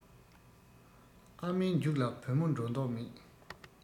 ཨ མའི མཇུག ལ བུ མོ འགྲོ མདོག མེད